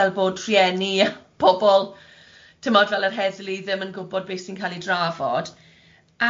fel bod rhieni a pobl timod fel yr heddlu ddim yn gwbod be sy'n cal'i drafod.